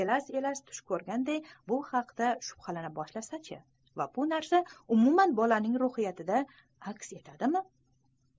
elas elas tush ko'rganday bu haqda shubhalana boshlasa chi va bu narsa umuman bolaning ruhiyatida aks etadimi